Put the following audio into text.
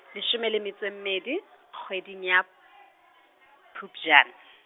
leshome le metso e mmedi, kgweding ya, Phupjane.